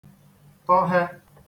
tọhe